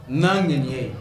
N'an nin ye